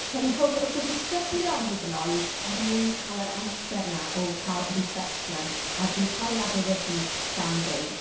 Tynnu ffwrdd wrth y disgyblion hyd yn oed, er mwyn cael yr amser yna o cael y refreshment, adn- cael ei adnewyddu gan Dduw.